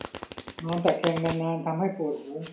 นอนตะแคงนานนานทำให้ปวดหู